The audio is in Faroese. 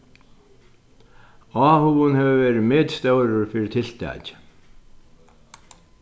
áhugin hevur verið metstórur fyri tiltakið